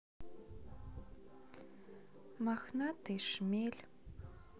мохнатый шмель